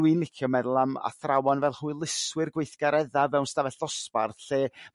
Dwi'n licio meddwl am athrawon fel hwyluswyr gweithgaredda' fewn 'stafell ddosbarth lle